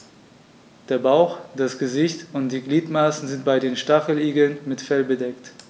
Der Bauch, das Gesicht und die Gliedmaßen sind bei den Stacheligeln mit Fell bedeckt.